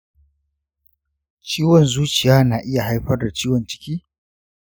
ciwon zuciya na iya haifar da ciwon ciki?